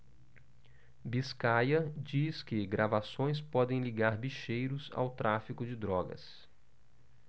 biscaia diz que gravações podem ligar bicheiros ao tráfico de drogas